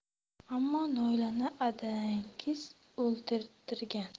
ammo noilani adangiz o'ldirtirgan